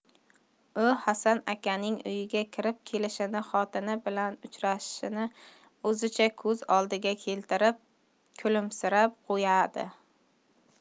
u hasan akaning uyga kirib kelishini xotini bilan uchrashishini o'zicha ko'z oldiga keltirib kulimsirab qo'yadi